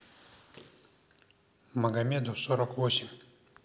магомедов сорок восемь